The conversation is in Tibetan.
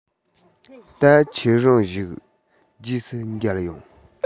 ད ཁྱེད རང བཞུགས རྗེས སུ མཇལ ཡོང